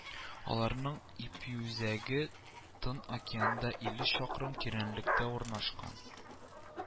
Аларның эпи үзәге Тын океанда илле чакрым тирәнлектә урнашкан